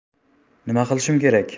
nima qilishim kerak